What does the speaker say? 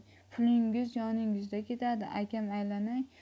pulingiz yoningizda ketadi akam aylanay